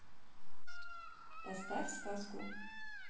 поставь сказку